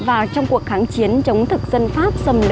và t rong cuộc kháng chiến chống thực dân pháp xâm lược